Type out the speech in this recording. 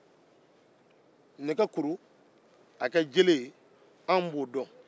anw bɛ se ka nɛgɛ kuru k'a kɛ jele ye